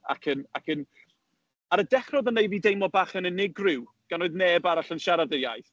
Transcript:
Ac yn, ac yn… Ar y dechrau oedd o'n wneud fi deimlo bach yn unigryw, gan oedd neb arall yn siarad y iaith.